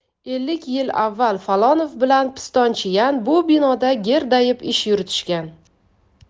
ellik yil avval falonov bilan pistonchiyan bu binoda gerdayib ish yuritishgan